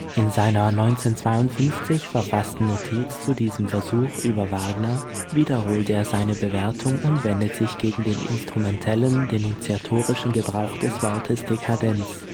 In einer 1952 verfassten Notiz zu diesem Versuch über Wagner wiederholt er seine Bewertung und wendet sich gegen den instrumentellen, denunziatorischen Gebrauch des Wortes Dekadenz